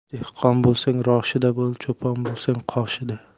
dehqon bo'lsang roshida bo'l cho'pon bo'lsang qoshida